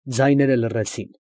Ձայները լռեցին։